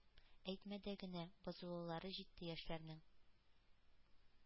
- әйтмә дә генә... бозылулары җитте яшьләрнең...